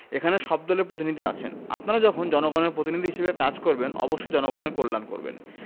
এখানে সব দলের প্রতিনিধি আছেন আপনারা যখন জনগণের প্রতিনিধি হিসেবে কাজ করবেন অবশ্যই জনগণের কল্যাণ করবেন